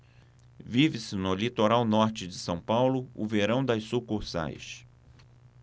vive-se no litoral norte de são paulo o verão das sucursais